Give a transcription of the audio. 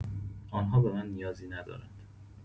آن‌ها به من نیازی ندارند.